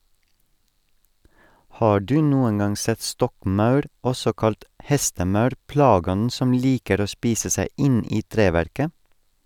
Har du noen gang sett stokkmaur, også kalt hestemaur, plageånden som liker å spise seg inn i treverket?